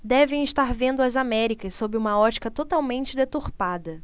devem estar vendo as américas sob uma ótica totalmente deturpada